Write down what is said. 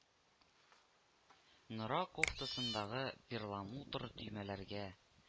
Нора кофтасындагы перламутр төймәләргә